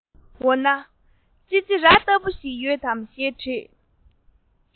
འོ ན ཙི ཙི ར ལྟ བུ ཞིག ཡོད དམ ཞེས དྲིས